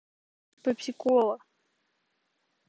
pepsi cola